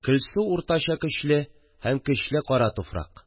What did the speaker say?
Көлсу уртача көчле һәм көчле кара туфрак